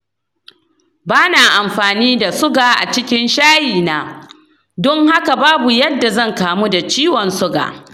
ba na amfani da suga a cikin shayina, dun haka babu yadda zan kamu da ciwon suga.